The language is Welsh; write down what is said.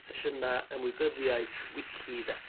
sesiyna ymwybyddiaeth wici 'de